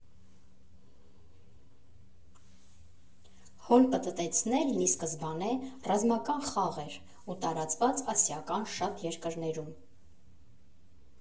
Հոլ պտտեցնելն ի սկզբանե ռազմական խաղ էր ու տարածված ասիական շատ երկրներում։